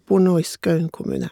Bor nå i Skaun kommune.